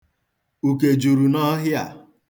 Uke juru n'ọhịa a.